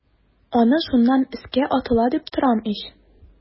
Аны шуннан өскә атыла дип торам ич.